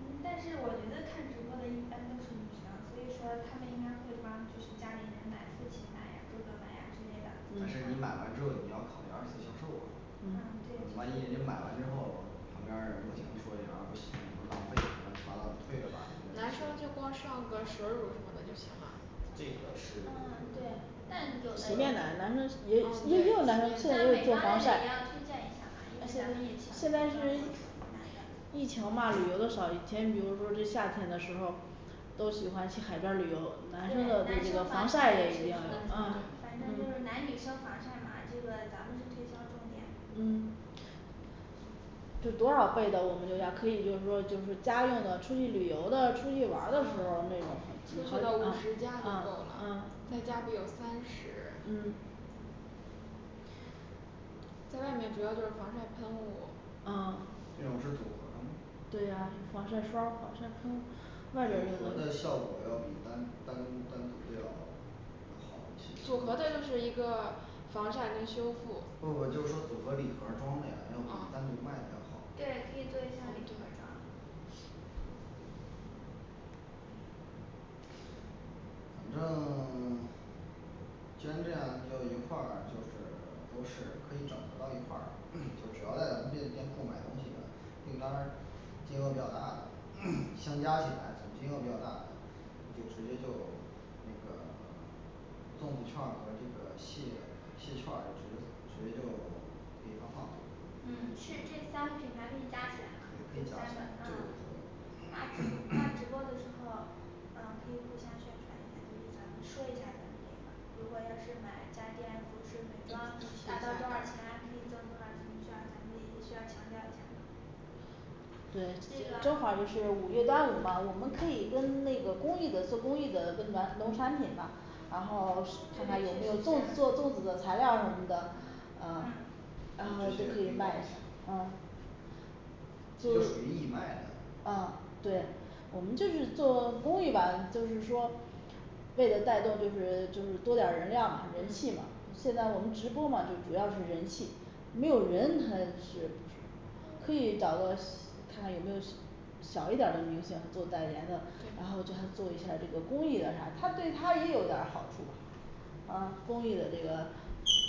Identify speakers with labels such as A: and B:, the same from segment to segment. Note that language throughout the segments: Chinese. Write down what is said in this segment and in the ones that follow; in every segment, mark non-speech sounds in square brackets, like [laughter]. A: 嗯
B: 不可能
A: 但是我觉得看直播的一般都是女生，所以说她们应该会帮就是家里人买父亲买呀哥哥买呀之类的
B: 但是你
C: 嗯
B: 买
A: 啊
B: 完之后你要考虑二次销售啊
A: 啊
C: 嗯
A: 对
B: 万一
A: 就
B: 你
A: 是
B: 买
A: 对
B: 完之后，旁边儿人不停的说这玩意儿不行，什么浪费什么，什么乱七八糟的你退了吧
D: 男
B: 什
D: 生
B: 么就
D: 就
B: 是
D: 光上个水儿乳什么的就行啦
B: 这个是
A: 啊对
B: [silence]
A: 但有的，像美妆类的也要推荐一下嘛，因为咱们也请美妆博主
C: 洗面奶男生也
D: 啊对洗
C: 也也有
D: 面奶
C: 男生都是做防晒啊现在现在是
A: 男的
C: 疫情嘛旅游的少以前比如说这夏天的时候儿都喜欢去海边儿旅游，
A: 对男
C: 男生的对这
A: 生
C: 个
A: 防
C: 防
A: 晒
C: 晒
A: 也
C: 也一
A: 是需
C: 定要
A: 要注意
C: 有
D: 啊
A: 的反正就是
D: 嗯
A: 男女生防晒嘛这个咱们是推销重点
C: 嗯就多少倍的，我们就要可以就是说就是说家用的出去旅游的出去玩儿的时候儿那种它
D: 你调到五
A: 出去
D: 十
C: 啊
D: 加就够
C: 啊
D: 了
C: 啊
D: 在家不有三十
C: 嗯
D: 在外面主要就是防晒喷雾
C: 啊
B: 这种是组合的吗
C: 对呀防晒霜防晒喷雾外边儿
B: 组
C: 用
B: 合
C: 的
B: 效果要比单单单独的要能好一些
D: 组
B: 像
D: 合
B: 这
D: 的就
B: 样
D: 是一个防晒跟修复
B: 不不就是说组合礼盒装呀的要比单
C: 啊
B: 独卖的要好
A: 对，可以做一下礼
D: 啊
A: 盒
D: 对
A: 装
B: 反正 [silence] 既然这样那就一块儿就是 [silence] 都是可以整合到一块儿， [crosstalk] 就只要在咱们店店铺买东西的，订单儿金额比较大的 [crosstalk] 相加起来总金额比较大的，那就直接就那个 [silence] 粽子券儿和这个蟹蟹券儿就直接直接就可以发放
A: 嗯是这三个品牌可以加起来吗？
B: 对可
A: 这
B: 以加
A: 三
B: 起
A: 个
B: 来这个无所
A: 啊
B: 谓
A: 那那直播的时候啊可以互相宣传一下，给咱们说一下咱们这个如果要是买家电服饰美妆达到多少钱，可以挣多少钱券儿，需要咱们也也需要强调一下
C: 对，
A: 这
C: 正
A: 个
C: 好又是五月端午嘛我们可以跟那个公益的做公益的跟咱农产品吧然后是
A: 对对确实是
C: 看看有没有粽做粽子的材料儿什么的啊
A: 嗯，
C: 然后是可以卖啊
B: 也就属
C: 就
B: 于义卖的
C: 啊对，我们就是做公益吧就是说为了带动就是就是多点儿人量嘛人气
A: 嗯
C: 嘛，现在我们直播嘛就主要是人气没有人他是不是可以找个看看有没有小 [unintelligible] 小一点儿的明星做代言的，然
A: 对
C: 后叫他做一下公益的啥，他对他也有点儿好处吧啊公益的这个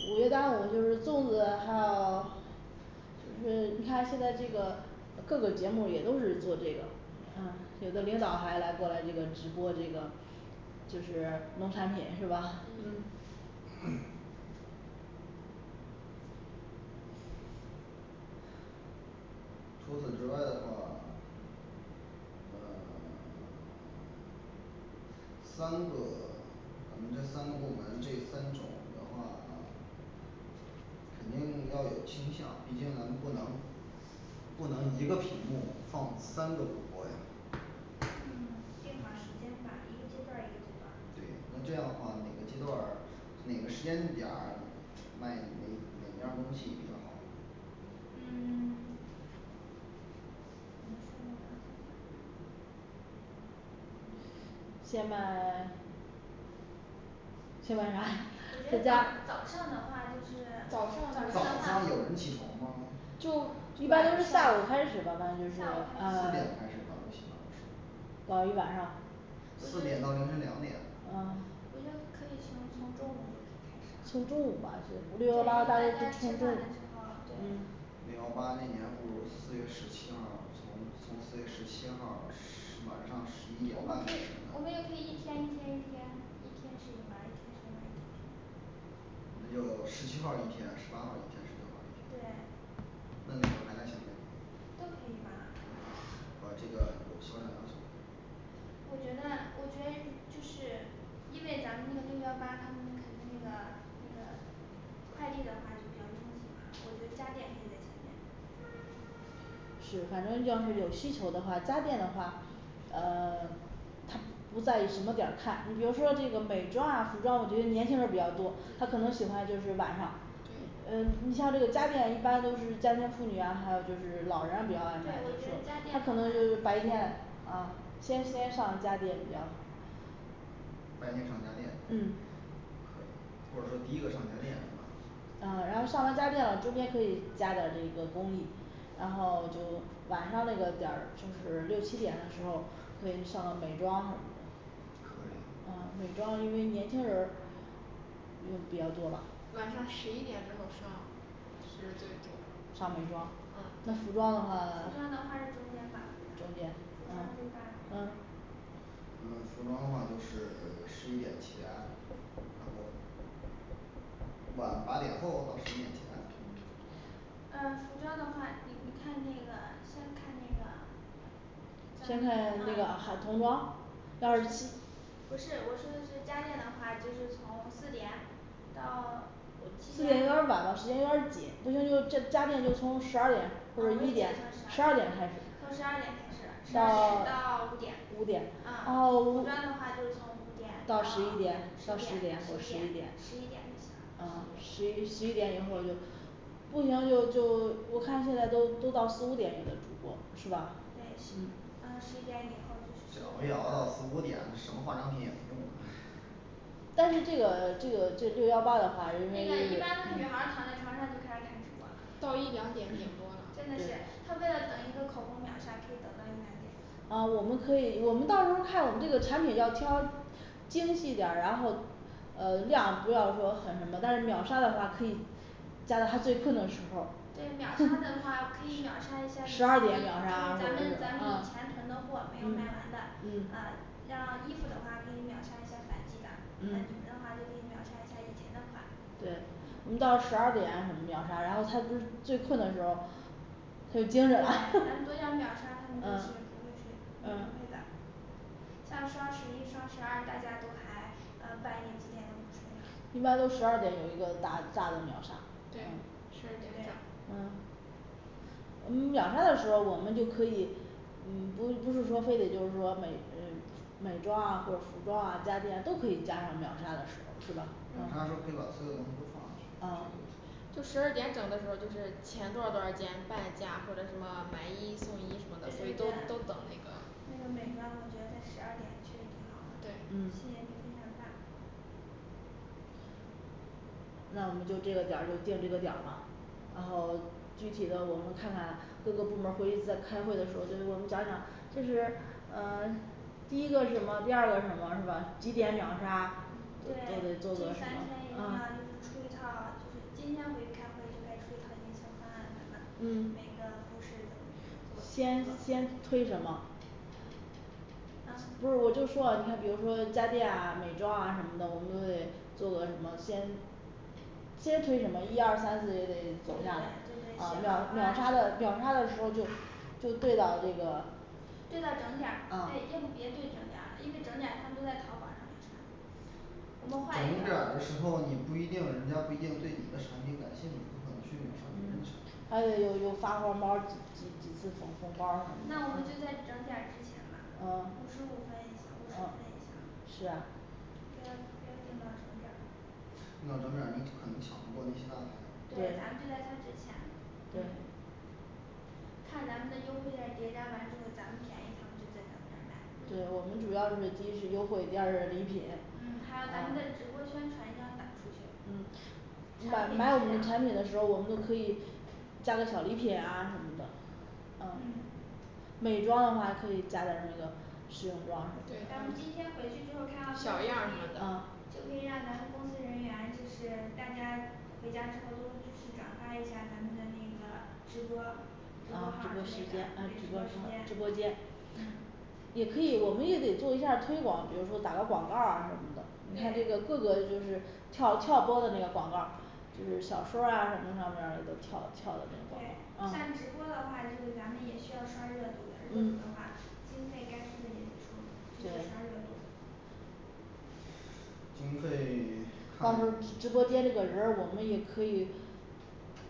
C: 五月端午就是粽子，还有就是你看现在这个各个节目也都是做这个，嗯有的领导还来过来直播这个就是农产品是吧
A: 嗯
D: 嗯
B: [crosstalk] 除此之外的话呃 [silence] 三个 [silence] 我们这三个部门这三种的话肯定要有倾向，毕竟咱们不能不能一个屏幕放三个主播呀
A: 嗯定好时间吧一个阶段儿一个阶段儿
B: 对，这样儿的话哪个阶段儿哪个时间点儿卖哪哪样儿东西比较好
A: 嗯 [silence] 怎么说呢让我想想啊
C: 先卖 [silence] 先卖啥 [noise]
A: 我
C: 在
A: 觉
C: 家
A: 得早上的话就是
D: 早上
B: 早上有人起床吗
C: 就一般都是下午
D: 晚上
C: 开始吧反正就是
A: 下午开
B: 四
C: 呃
A: 始
B: 点就
A: 吗
B: 开始吧最起码都是
C: 搞一晚上
A: 不
B: 四点到
A: 是
B: 凌晨两点
C: 啊
A: 我觉得可以从从中午就
C: 从
A: 可 [unintelligible] 开始啦
C: 中午吧就
A: 对
C: 六
A: 因
C: 幺
A: 为
C: 八
A: 大
C: 大
A: 家
C: 家
A: 吃饭的时候儿对
C: 嗯
B: 六幺八那你还不如四月十七号儿，从从四月十七号儿十晚上十一点
A: 我们
B: 半开
A: 可以
B: 始
A: 我们也可
B: 呢
A: 以一天一天一天一天是一门儿一天是一门儿一天是
B: 那就十七号儿一天十八号儿一天十九号儿一天
A: 对
B: 那哪个排在前面
A: 都可以吧
B: 不这个有销量要求
A: 我觉得我觉就是因为咱们那个六幺八他们那肯定那个那个快递的话就比较拥挤嘛，我觉得家电可以在前面
C: 是，反正要是有需求的话，家电的话，呃 [silence] 他不在意什么点儿看，你比如说那个美妆啊服装，我觉得年轻人比较多，他可能喜欢就是晚上嗯你像这个家电一般都是家庭妇女啊，还有就是老人比较
A: 对我觉
C: 爱买，
A: 得
C: 他
A: 家电
C: 可能就是白天啊先先上家电比较
B: 白天上家电
C: 嗯
B: 可以或者说第一个上家电
C: 呃然后上完家电了，中间可以加点儿这个公益，然后就晚上那个点儿就是六七点的时候，可以上美妆什么的
B: 可以
C: 呃美妆，因为年轻人儿用比较多吧
D: 晚上十一点之后上是最多
C: 上美妆
D: 嗯
C: 那服装的话
A: 服装
C: [silence]
A: 的话就中间吧我
C: 中
A: 觉得
C: 间
A: 服装最
C: 嗯
A: 大我觉得
C: 嗯
B: 呃服装的话就是十一点前然后晚八点后到十一点前
D: 嗯
A: 呃服装的话你你看那个先看那个
C: 先看那个哈 [unintelligible] 童装要是七 [unintelligible]
A: 不是我说的是家电的话就是从四点到 [silence]
C: 我四
A: 七
C: 点有点儿
A: 点
C: 晚吧时间有点儿紧不行就这 [unintelligible] 家电就从十二点
A: 啊我也觉得算十二从
C: 或者一点十二点开始
A: 十二点开始十二
C: 到
A: 点
C: [silence]
A: 到五点啊
C: 五点然
A: 啊
C: 后
A: 服
C: 五
A: 装
C: [unintelligible]
A: 的话就是从五点到
C: 到十一
A: 十
C: 点
A: 点
C: 到
A: 十
C: 十
A: 一
C: 点
A: 点
C: 或
A: 十
C: 者
A: 一点就
C: 十
A: 行
C: 一点啊
A: 十一点
C: 十一十一点以后就不行就就我看现在都都到四五点有的主播是吧
A: 对是
C: 嗯
A: 啊十一点以后就是十
B: 这熬
A: 一
B: 夜
A: 点
B: 熬
A: 半
B: 到
A: 啦
B: 四五点这什么化妆品也没用了 [noise]
C: 但是这个这个这六幺八的话，
A: 这
C: 因
A: 个
C: 为
A: 一
C: 是
A: 般的女孩儿躺在床上就开始看直播了
D: 到一两点顶多啦
A: 真的是
C: 对
A: 她为了等一个口红秒杀可以等到一两点
C: 啊我们可以，我们到时候儿看我们这个产品要挑精细点儿，然后呃量不要说很什么，但是秒杀的话可以加到他最困的时候儿
A: 对秒杀的
C: [noise]
A: 话可以秒杀一下
C: 十
A: 咱
C: 二点秒杀或者
A: 们
C: 是
A: 咱们
C: 啊
A: 以前囤的货没有卖完
C: 嗯
A: 的
D: 嗯
A: 啊像衣服的话可以秒杀一下反季的，像美
D: 嗯
A: 妆的话就可以秒杀一下以前的款
C: 对我们到十二点秒杀，然后他不是最困的时候他就精神了
A: 咱们多点
C: [noise]
A: 儿秒杀他们就是
C: 啊
A: 不会睡嗯不
C: 啊
A: 会的像双十一双十二大家都还呃半夜几点都不睡呢
C: 一般都十二点有一个大大的秒杀
D: 对
C: 嗯
D: 十二点
A: 对
D: 整
C: 嗯嗯秒杀的时候我们就可以嗯不是不是说非得就是说美呃美妆啊或者服装啊家电都可以加上秒杀的时候是吧
B: 秒
C: 嗯
B: 杀的时候可以把所有东西都放上去这个
C: 啊
B: 无所谓
D: 就十二点整的时候就是前多少多少件半价或者什么买一送一什么的，所
A: 对
D: 以都
A: 对
D: 都等
A: 对
D: 那个
A: 那个美妆我觉得十二点确实挺好的
D: 对，
A: 吸
C: 嗯
A: 引力非常大
C: 那我们就这个点儿就定这个点儿了。然后具体的我们看看各个部门儿回去再开会的时候，就我们讲讲就是呃第一个什么，第二个什么是吧？几点秒杀
A: 对
D: 嗯
C: 或者
A: 这
C: 做个
A: 三
C: 什
A: 天一定
C: 么
A: 要
C: 啊
A: 就是出一套就是今天回去开会就该出一套营销方案等等，每
C: 嗯
A: 个服饰怎么怎么做怎
C: 先
A: 么做
C: 先推什么
A: 啊
C: 不是，我就说你看比如说家电啊美妆啊什么的，我们都得做个什么先先推什么一二三四也得走
A: 对
C: 下
A: 对对对
C: 来
A: 对
C: 啊
A: 写
C: 秒
A: 好方
C: 秒
A: 案
C: 杀
A: 是
C: 的
A: 吧
C: 秒杀的时候就就对到这个
A: 对到整点儿吧，诶
C: 啊
A: 要不别对整点儿，因为整点儿他们都在淘宝上面我们
B: 整
A: 换一
B: 点儿
A: 个
B: 的时候，你不一定人家不一定对你的产品感兴趣，可能去秒杀别人去
C: 嗯
B: 了
C: 还得有有发红包儿，几几次红红包儿什么的
A: 那我们就
C: 啊
A: 在整点儿之前嘛
C: 啊
A: 五十五分也行，五十分
C: 啊
A: 也行
C: 是啊
A: 不要不要定到整点儿
B: 定到整点儿你可能抢不过那些大牌。
A: 对，
C: 对
A: 咱们就在他之前
C: 对
A: 嗯看咱们的优惠券儿叠加完之后，咱们便宜他们就在咱们这儿买了嗯
C: 对我们主要是第一是优惠。第二是礼品
A: 嗯还有咱们
C: 啊
A: 的直播宣传一定要打出去
C: 嗯买买我
A: 产
C: 们产
A: 品质量
C: 品的时候，我们就可以加个小礼品啊什么的呃
A: 嗯
C: 美妆的话可以加点儿那个试用装什
A: 咱
C: 么的
D: 对
A: 们今天回去之后开完会就
D: 小
A: 可
D: 样儿什么
A: 以
D: 的
C: 啊
A: 就可以让咱们公司人员就是大家回家之后都就是转发一下咱们的那个直播直播号儿之类的，对
C: 呃直播时间呃直播车，直
A: 直播时间
C: 播间
A: 嗯
D: 也可以，我们也得做一下推广，比如说打个广告儿啊什么的，你看这
A: 对
D: 个各个就是跳跳播的那个广告儿
C: 就是小说儿啊什么上边儿的都跳跳的那个啊
A: 对像直播的话就咱们也需要刷热度的热度的
C: 嗯
A: 话经费该出的也得出就是刷
C: 对
A: 热度
B: 经费 [silence] 看
C: 到时候直
B: [silence]
C: 播间这个人儿我们也可以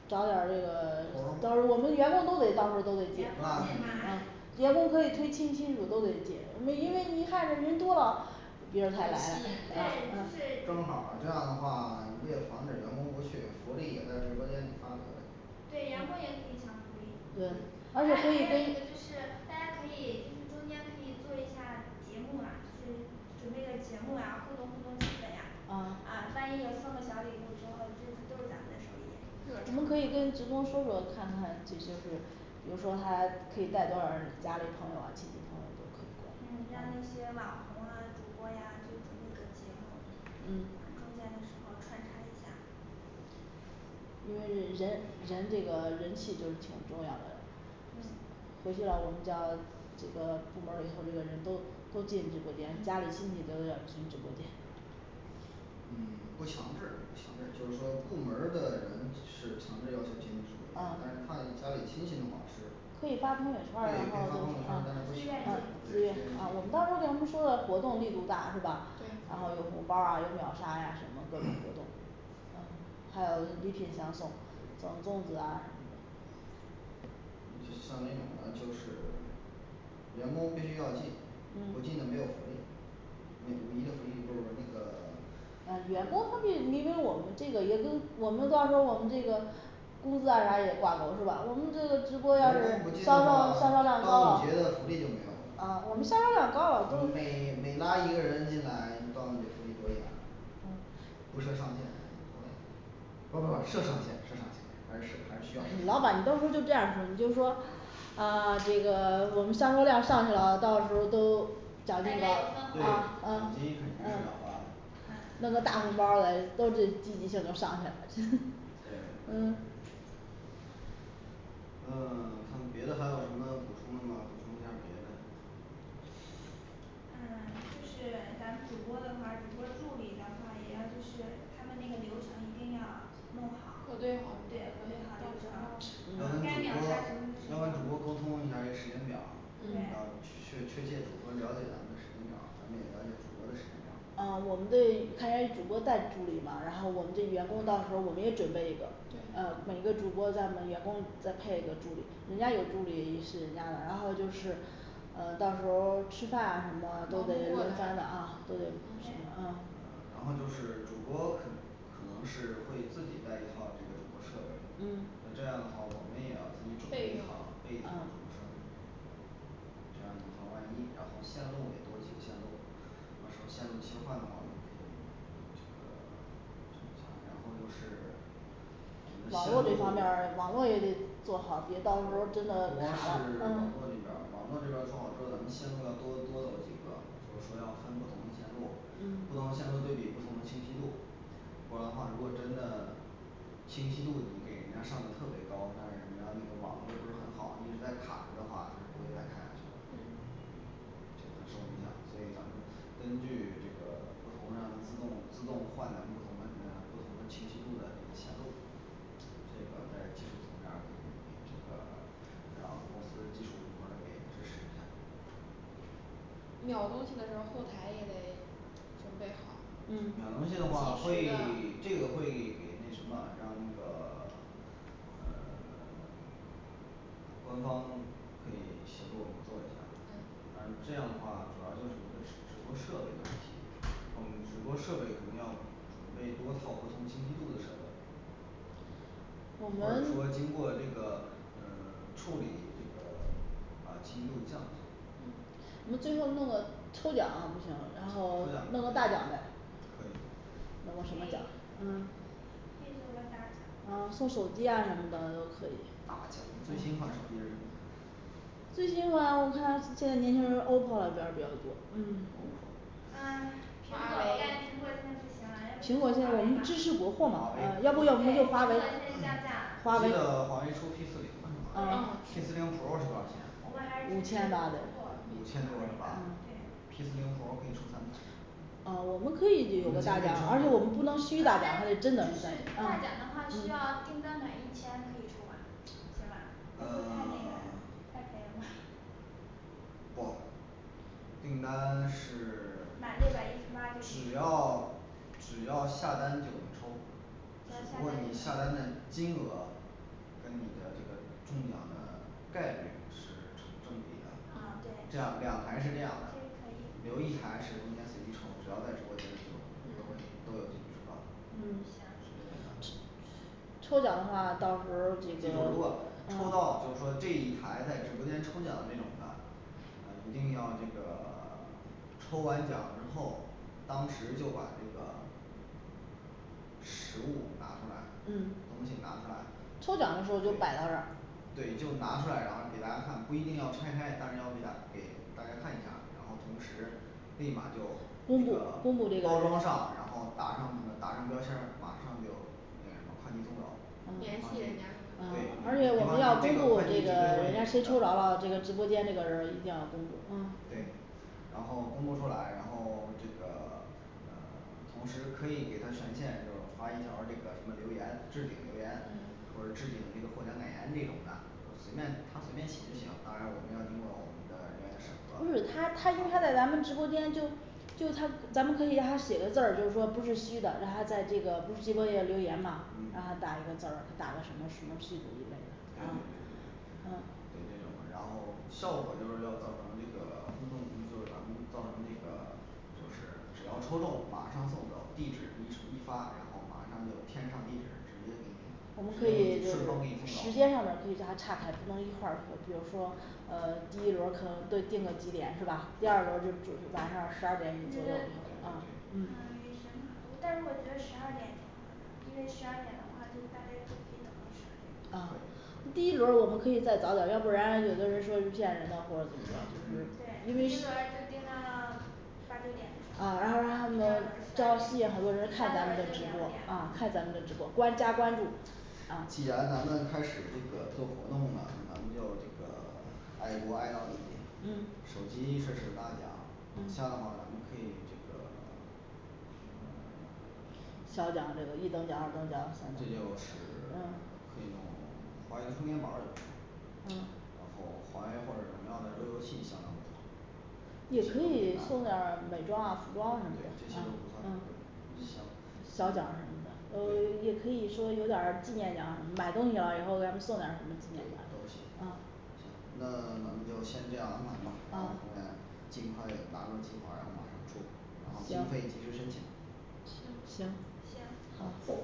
C: 找点儿这个
B: 托
C: 到时
B: 儿吗
C: 候我们员工都得到时候都得
A: 员工
B: 那肯定
C: 进
B: 的
A: 进吗
C: 员工可以推亲亲属都得进因为因为你
B: 对
C: 看这人多了别
D: 有吸引力就
C: 人才来嘞
D: 是
C: 啊
A: 对就是
B: 正好儿这样的话为了防止员工不去福利也在直播间里发得了
A: 对员工也可以抢福利
C: 对
B: 对
A: 还
C: 而且
A: 还
C: 可
A: 有
C: 以
A: 一个
C: 给
A: 就是大家可以就是中间可以做一下节目啊就是准备个节目啊互动互动气氛呀，啊
C: 啊
A: 万一要送个小礼物之后，这都是咱们的收益
D: 热场
C: 我们可以跟
D: 什
C: 职
D: 么的
C: 工说说看看就就是比如说他可以带多少人家里朋友啊亲戚朋友都可以
A: 嗯让那些网红啊主播呀就准备个节目，嗯
D: 嗯
A: 中间的时候穿插一下
C: 因为人人这个人气就是挺重要的
A: 嗯
C: 回去了我们叫这个部门儿里头，这个人都都进直播间，家
A: 嗯
C: 里亲戚都要进直播间
B: 嗯不强制不强制就是说部门儿的人是强制要求进直播间，但
C: 啊
B: 是他家里亲戚的话是
C: 可以发朋友圈
B: 对可以发朋友圈
C: 儿然后啊
B: 儿但是不强
C: 啊
B: 制对
A: 自
B: 自
C: 自
B: 愿
C: 愿
A: 愿进入嘛
B: 进
C: 啊我们到时候儿给他们说说活动力度大是吧
D: 对
C: 然后有红包儿啊有秒杀呀什么各种活动呃还有礼品相送，送粽子啊什么的
B: 就像那种咱就是员工必须要进，不进
C: 嗯
B: 的没有福利没五一的福利不不那个呃
C: 啊员工方面因为
B: [silence]
C: 我们这个也跟我们到时候儿我们这个工资啊啥也挂钩是吧？我们这个直
B: 员
C: 播要是
B: 工不进的
C: 销
B: 话
C: 售销售
B: 端
C: 量高了
B: 午节的福利就没有了
C: 啊我们销售量高了工
B: 每每拉一个人进来端午节福利多一点
C: 嗯
B: 不设上限无所谓不不不设上限设上限还是设还是需要设上
C: 老板你
B: 限
C: 到时候就这样儿说你就说啊这个我们销售量上去了到时候儿都
A: 大
C: 奖
A: 家
C: 金
A: 有分
C: 发
B: 对
C: 啊
A: 红
C: 啊
B: 奖
C: 啊
B: 金肯定是要发的
A: 啊
C: 弄个大红包儿嘞都这积极性都上去了
B: 这个
C: [noise]
B: 也可以
C: 嗯
B: 嗯 [silence] 看别的还有什么补充的吗？补充一下儿别的
A: 嗯 [silence] 就是咱们主播的话主播助理的话也要就是他们那个流程一定要弄
D: 核
A: 好
D: 对
A: 对
D: 好
A: 核对好流
D: 到
A: 程
D: 时
B: 要跟主播要
D: 候
A: 嗯该秒杀什么
B: 跟
A: 的
B: 主
A: 时
B: 播
A: 候
B: 沟通一下儿这个时间表儿要
C: 嗯
A: 对
B: 确确确切主播了解咱们的时间表儿咱们也了解主播的时间表儿
C: 啊我们得看下主播带助理嘛，然后我们这员工到时候我们也准备一个
D: 对
C: 呃每个主播在我们员工再配一个助理，人家有助理也是人家的，然后就是呃到时候儿吃饭啊什么
D: 忙
C: 都
D: 不过
C: 得轮番的
D: 来
C: 啊都得
A: 对
C: 啊
B: 然后就是主播可能 [unintelligible] 可能是会自己带一套这个主播设备，
D: 嗯
B: 那这样的话我们也要自己准备
D: 备
B: 一
D: 用
B: 套备一套主
C: 啊
B: 播设备这样以防万一，然后线路也多几个线路，到时候线路切换的话，我们可以这个 [silence] 整一下，然后就是我
C: 网络
B: 们
C: 这方
B: 的
C: 面
B: 线路
C: 儿网络也得做好别到时候儿真
B: 不光是
C: 的
B: 网络这边儿网
C: 卡了
D: 嗯
B: 络这边儿做好之后咱们线路要多多走几个就是说要分不同的采购
C: 嗯
B: 不同的线路对比，不同的清晰度不然话如果真的清晰度你给人家上的特别高，那人家那个网又不是很好，一直在卡着的话，他是不会再看下去的
C: 嗯
B: 这个很受影响，所以咱们根据这个不同让它自动自动换咱们不同的呃不同的清晰度的这个线路
D: 秒东西的时候儿后台也得准备好
B: 秒
C: 嗯
B: 东西的
D: 及时
B: 话，会
D: 的
B: [silence] 这个会给那什么让那个 [silence] 呃 [silence] 官方可以协助我们做一下儿
A: 对
B: 嗯这样的话主要就是一个直直播设备的问题，我们直播设备可能要准备多套不同精细度的设备或
C: 我
B: 者
C: 们
B: 说经过这个呃 [silence] 处理这个 [silence] 把精度降一下
D: 嗯
C: 我们最后弄个抽奖不行，然
B: 抽
C: 后
B: 奖
C: 弄个大
B: 可以
C: 奖呗
B: 可以
C: 弄个什么奖
A: 可以
D: 啊
A: 可以做个大奖
C: 嗯送手机啊什么的都可以
B: 大奖最新款手机是什么
C: 最新款我看现在年轻人儿oppo玩儿的比较多
D: 嗯
B: oppo [crosstalk]
A: 啊苹果
D: 华
A: 我
D: 为
A: 感
D: 嗯
A: 觉
C: 苹
A: 苹
C: 果
A: 果
C: 现
A: 现在不行
C: 在
A: 了要不就
C: 支
A: 送华为吧
C: 持国货
B: 华
C: 吗呃要不我
A: 对苹果现
B: 为可
C: 们
B: 以
A: 在
C: 就华为
A: 降价啦
C: 华
B: 我记
C: 为
B: 得华为出P四零了是吗
D: 嗯
C: 啊
A: 对
B: P 四
C: 是
B: 零pro是多少钱
A: 我们还是
C: 五
A: 支持
C: 千
A: 国货
C: 吧得
B: 五千多
A: 华为
B: 是吧
A: 吧
C: 嗯
A: 对
B: P四零pro可以抽三台
C: 啊我们可
B: 我们经费充
C: 以有个大奖，而且我们不
B: 足
C: 能
A: 啊但就是大奖
C: 虚大奖，还是真的是啊
A: 的话需
C: 嗯
A: 要订单满一千可以抽吧行吧要不
B: 呃
A: 太那个
B: [silence]
A: 太赔了吧 [noise]
B: 不订单是
A: 满
B: [silence]
A: 六百一十八就可以
B: 只
A: 抽
B: 要只要下单就能抽
A: 只
B: 只不过你
A: 要
B: 下
A: 下单
B: 单
A: 就
B: 的
A: 能抽
B: 金额跟你的这个中奖的概率是成正比的
A: 啊
B: 这
A: 对
B: 样两台是这样
A: 这
B: 的
A: 个可以
B: 留一台是中间随机抽只要在直播间就都可以
D: 嗯
B: 都有机会抽到是
A: 嗯行
B: 这种的
C: 抽奖的话到时候儿
B: 记住
C: 这个
B: 如果抽
C: 啊
B: 到就是说这一台在直播间抽奖这种的呃一定要这个 [silence] 抽完奖之后，当时就把这个实物拿出来，
C: 嗯
B: 东西拿出来
C: 抽奖的时候就摆到这儿
B: 对，就拿出来，然后给大家看，不一定要拆开，但是要给大给大家看一下，然后同时立马就那
C: 公布
B: 个
C: 公布这个
B: 包装上然后打上什么打上标签儿马上就那个什么快递送走
A: 联
B: 你
C: 啊
A: 系人
B: 放
A: 家
B: 心对
A: 什
B: 你
A: 么的
B: 你
D: 嗯
C: 而
B: 放
C: 且
B: 心
C: 我们
B: 这
C: 要
B: 个
C: 公
B: 快
C: 布
B: 递
C: 这
B: 绝对
C: 个人
B: 会
C: 家
B: 那
C: 谁抽
B: 什
C: 着
B: 么
C: 咯
B: 的
C: 这个直播间这个人儿一定要公布啊
B: 对然后公布出来，然后这个呃同时可以给他权限就是发一条儿这个什么留言，置顶留言
D: 嗯，
B: 或者置顶那个获奖感言这种的呃随便他随便写就行，当然我们要经过我们的人员的审
C: 不是
B: 核
C: 他他应该
B: 啊
C: 在咱们直播间就就他咱们可以让他写个字儿，就是说不是虚的，让他在这个不是机关页留言嘛让他
B: 嗯
C: 打一个字儿，打个什么什么句子一类的
B: 对对对
C: 啊
B: 对对
C: 呃
B: 对这种然后效果就是要造成这个轰动，就是咱们造成这个就是只要抽中马上送走，地址一呈 [unintelligible] 一发，然后马上就添上地址，直接给你
C: 我们
B: 直
C: 可以
B: 接
C: 就是
B: 顺丰给你
C: 时
B: 送走
C: 间上边儿可以给他岔开不能一块儿抽比如说呃第一轮儿可能对定个几点是吧，第二轮儿就就晚上十二
A: 我
C: 点左
A: 觉
C: 右
A: 得
B: 对
C: 啊
B: 对对
A: 嗯
D: 嗯
A: 也行吧但是我觉得十二点挺好的因为十二点的话就大家都可以等到十二点
C: 啊
B: 可
C: 第一
B: 以可以
C: 轮儿，我们可以再早点儿，要不然有的人说是骗人的或者怎么的就是
A: 对
C: 因
A: 第
C: 为
A: 一
C: 是
A: 轮儿
C: [unintelligible]
A: 就定到 [silence] 八九点的时候
C: 啊
A: 第
C: 然后
A: 二
C: 让他
A: 轮十二点
C: 们
A: 第
C: 这样吸引
A: 三
C: 很
A: 轮
C: 多
A: 儿
C: 人儿看咱们的直
A: 就
C: 播啊
A: 两点
C: 看咱们的直播关加关注啊
B: 既然咱们开始这个做活动了，那咱们就这个爱国爱到底
C: 嗯，
B: 手机这是大奖这
C: 嗯
B: 样话咱们可以这个呃 [silence]
C: 小奖这个一等奖二等奖三等
B: 这就是
C: 嗯
B: [silence] 可以弄华为充电宝儿也不错
C: 嗯
B: 然后华为或者荣耀的路由器相当不错这些都可以拿
C: 也可以
B: 出
C: 送点儿
B: 来
C: 美妆啊服
B: 对
C: 装什么的
B: 这些都
C: 啊
B: 不算很
C: 啊
B: 贵行
C: 小奖什么的都也可以说有点儿纪念奖什么买东西了，以后给他们送点什么纪念
B: 对
C: 奖
B: 都行
C: 啊
B: 那咱们就先这样安排吧，然后后
C: 啊
B: 面尽快拿个计划，然后马上出。然后经费
C: 行
B: 及时申请
D: 行
C: 行
A: 行
C: 好
B: 好